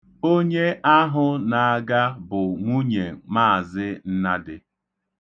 Onye ahụ na-aga bụ nwunye Maazị Nnadị.